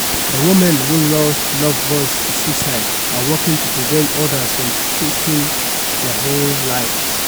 Two women who lost loved ones to suicide are working to prevent others from taking their own lives.